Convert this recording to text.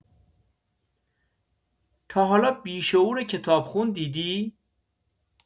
تا حالا بیشعور کتابخون دیدی؟